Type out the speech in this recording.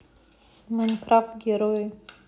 майнкрафт герои